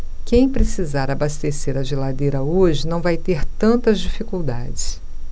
quem precisar abastecer a geladeira hoje não vai ter tantas dificuldades